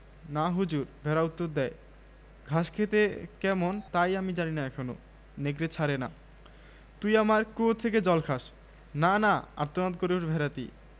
না হুজুর ভেড়া উত্তর দ্যায় ঘাস খেতে কেমন তাই আমি জানি না এখনো নেকড়ে ছাড়ে না তুই আমার কুয়ো থেকে জল খাস না না আর্তনাদ করে ওঠে ভেড়াটি